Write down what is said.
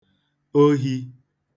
ohi